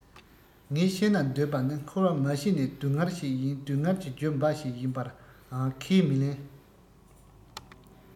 ངས བཤད ན འདོད པ ནི འཁོར བ མ གཞི ནས སྡུག བསྔལ ཞིག ཡིན སྡུག བསྔལ གྱི རྒྱུ འབའ ཞིག ཡིན པའང ཁས མི ལེན